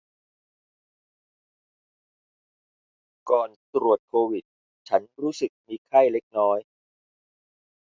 ก่อนตรวจโควิดฉันรู้สึกมีไข้เล็กน้อย